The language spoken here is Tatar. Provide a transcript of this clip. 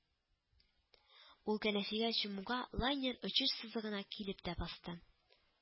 Ул кәнәфигә чумуга лайнер очыш сызыгына килеп тә басты